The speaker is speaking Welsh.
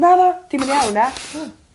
Na na. Dim yn iawn na.